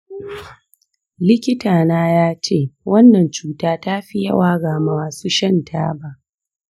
likita na ya ce wannan cuta ta fi yawa ga masu shan taba.